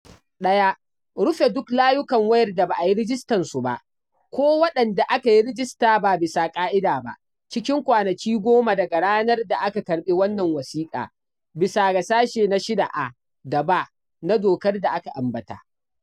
1-Rufe duk layukan wayar da ba a yi rajistan su ba ko waɗanda aka yi rajista ba bisa ƙa’ida ba cikin kwanaki 10 daga ranar da aka karɓi wannan wasiƙa, bisa ga Sashe na 6 (a) da (b) na Dokar da aka ambata.